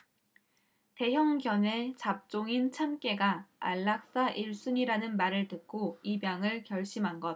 대형견에 잡종인 참깨가 안락사 일 순위라는 말을 듣고 입양을 결심한 것